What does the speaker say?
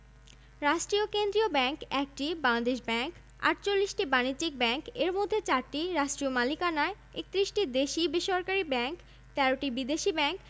১৯৯৯ সালে ঋণ দানকারী সমবায় সমিতির সংখ্যা ছিল ২০টি এবং এগুলোর মোট সম্পদের পরিমাণ ছিল ১৬দশমিক ৪ কোটি টাকা